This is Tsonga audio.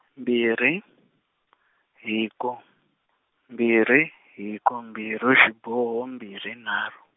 mbirhi hiko mbirhi hiko mbirhi xiboho mbirhi nharhu.